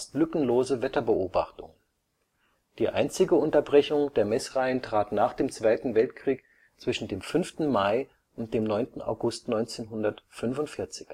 lückenlose Wetterbeobachtungen. Die einzige Unterbrechung der Messreihen trat nach dem Zweiten Weltkrieg zwischen dem 5. Mai und dem 9. August 1945